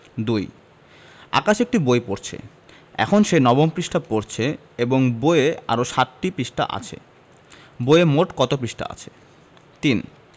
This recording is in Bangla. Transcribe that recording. ২ আকাশ একটি বই পড়ছে এখন সে নবম পৃষ্ঠা পড়ছে এবং বইয়ে আরও ৭ পৃষ্ঠা আছে বইয়ে মোট কত পৃষ্ঠা আছে ৩